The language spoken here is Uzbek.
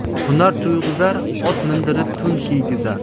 hunar to'yg'izar ot mindirib to'n kiygizar